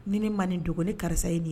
Ni man nin dɔgɔn ni karisa ye de ye